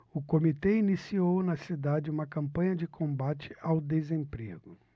o comitê iniciou na cidade uma campanha de combate ao desemprego